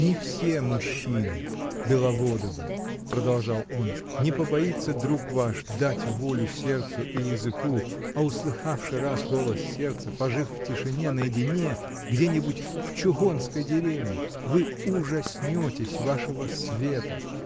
— Не все мужчины — Беловодовы, — продолжал он, — не побоится друг ваш дать волю сердцу и языку, а услыхавши раз голос сердца, пожив в тишине, наедине — где-нибудь в чухонской деревне, вы ужаснетесь вашего света.